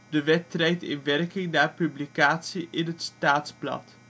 De wet treedt in werking na publicatie in het Staatsblad